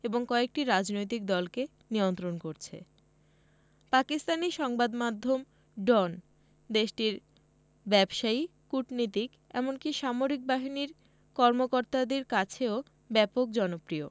এবং কয়েকটি রাজনৈতিক দলকে নিয়ন্ত্রণ করছে পাকিস্তানি সংবাদ মাধ্যম ডন দেশটির ব্যবসায়ী কূটনীতিক এমনকি সামরিক বাহিনীর কর্মকর্তাদের কাছেও ব্যাপক জনপ্রিয়